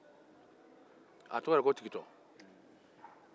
a tɔgɔ de ye ko tigitɔn